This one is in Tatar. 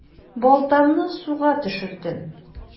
Балтамны суга төшердем.